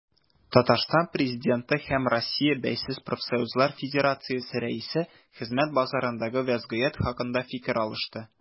Татарстан Президенты һәм Россия Бәйсез профсоюзлар федерациясе рәисе хезмәт базарындагы вәзгыять хакында фикер алышты.